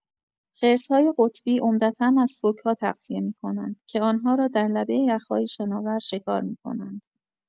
خرس‌های قطبی عمدتا از فوک‌ها تغذیه می‌کنند، که آن‌ها را در لبه یخ‌های شناور شکار می‌کنند.